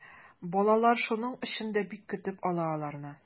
Балалар шуның өчен дә бик көтеп ала аларны.